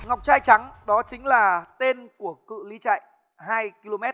ngọc trai trắng đó chính là tên của cự li chạy hai ki lô mét